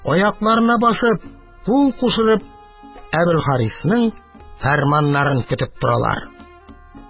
Аякларына басып, кул кушырып, Әбелхарисның фәрманнарын көтеп торалар.